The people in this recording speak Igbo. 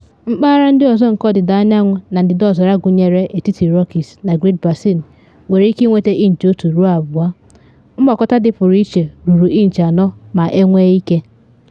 Mpaghara ndị ọzọ nke Ọdịda Anyanwụ na Ndịda Ọzara gụnyere etiti Rockies na Great Basin nwere ike ịnweta inchi 1 ruo 2, mgbakọta dịpụrụ iche ruru inchi 4 ma enwee ike.